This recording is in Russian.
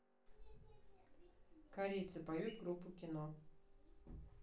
корейцы поют группу кино